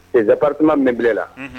ces appartements meublés la